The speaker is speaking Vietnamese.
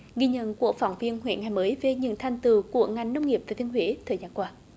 ghi nhận của phóng viên huế ngày mới về những thành tựu của ngành nông nghiệp thừa thiên huế thời gian qua